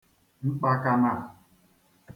m̀kpàkànà